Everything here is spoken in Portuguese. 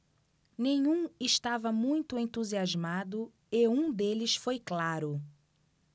nenhum estava muito entusiasmado e um deles foi claro